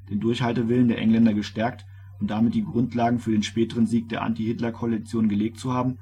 Durchhaltewillen der Engländer gestärkt und damit die Grundlagen für den späteren Sieg der Anti-Hitler-Koalition gelegt zu haben